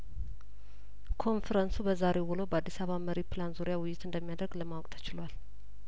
ኮንፈረንሱ በዛሬው ውሎው በአዲስአባ መሪ ፕላን ዙሪያ ውይይት እንደሚያደርግ ለማወቅ ተችሏል